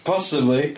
Possibly!